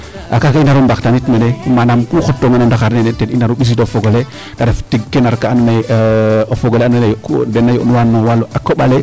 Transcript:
kaaga i naro mbaxtaanit mene manaam ku xot toona no ndaxar nene ten i naru mbissido fogole te ref tig kenar ka ando naye o fogole ando naye den na yond nuwa no walu koɓale